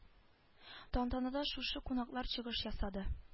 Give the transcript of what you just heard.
Тантанада шушы кунаклар чыгыш ясады